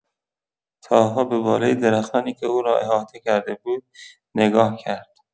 طاها به بالای درختانی که او را احاطه کرده بود، نگاه کرد.